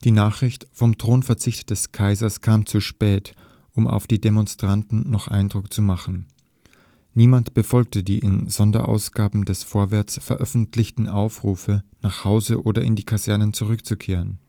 Nachricht vom Thronverzicht des Kaisers kam zu spät, um auf die Demonstranten noch Eindruck zu machen. Niemand befolgte die in Sonderausgaben des Vorwärts veröffentlichten Aufrufe, nach Hause oder in die Kasernen zurückzukehren